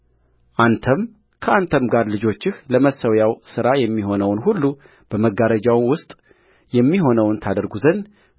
አንተም ከአንተም ጋር ልጆችህ ለመሠዊያው ሥራ የሚሆነውን ሁሉ በመጋረጃውም ውስጥ የሚሆነውን ታደርጉ ዘንድ